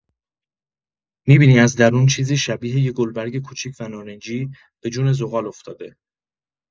می‌بینی از درون چیزی شبیه یه گلبرگ کوچیک و نارنجی، به جون زغال افتاده.